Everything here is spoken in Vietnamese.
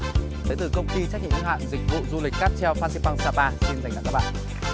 đến từ công ty trách nhiệm hữu hạn dịch vụ cáp treo phan xi păng sa pa xin dành tặng các bạn